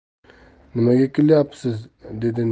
nimaga kulyapsiz dedi